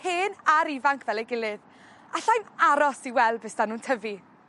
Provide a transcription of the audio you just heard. hen a'r ifanc fel ei gilydd allai'm aros i weld be' s'dan nw'n tyfu.